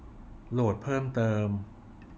โหลดเพิ่มเติม